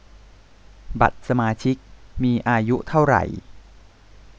บัตรสมาชิกมีอายุเท่าไหร่